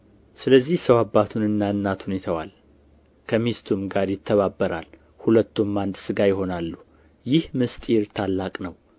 ስለዚህ ሰው አባቱንና እናቱን ይተዋል ከሚስቱም ጋር ይተባበራል ሁለቱም አንድ ሥጋ ይሆናሉ ይህ ምሥጢር ታላቅ ነው